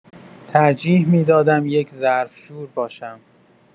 ترجیح می‌دادم یک ظرف‌شور باشم.